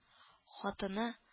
Хатыны